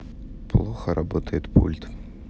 плохо работает пульт